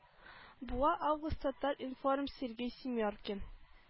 Буа август татар информ сергей семеркин